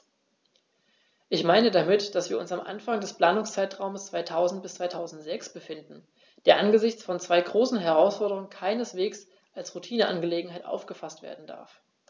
Ich meine damit, dass wir uns am Anfang des Planungszeitraums 2000-2006 befinden, der angesichts von zwei großen Herausforderungen keineswegs als Routineangelegenheit aufgefaßt werden darf.